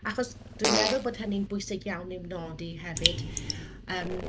Achos dwi'n meddwl bod hynny'n bwysig iawn i'w nodi hefyd yym